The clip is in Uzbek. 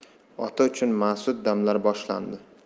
ota uchun mas'ud damlar boshlandi